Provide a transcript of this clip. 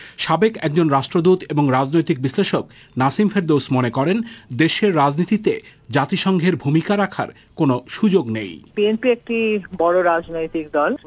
সাবেক একজন রাষ্ট্রদূত এবং রাজনৈতিক বিশ্লেষক নাসিম ফেরদৌস মনে করেন দেশের রাজনীতিতে জাতিসংঘের ভূমিকা রাখার কোনো সুযোগ নেই বিএনপি একটি বড় রাজনৈতিক দল